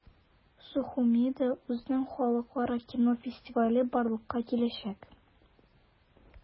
Сухумида үзенең халыкара кино фестивале барлыкка киләчәк.